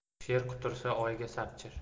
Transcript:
sher qutursa oyga sapchir